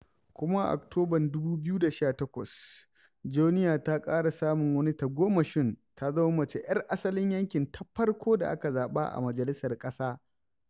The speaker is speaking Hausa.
Kuma a Oktoban 2018, Joenia ta ƙara samun wani tagomashin, ta zama mace 'yar asalin yankin ta farko da aka zaɓa a majalisar ƙasa.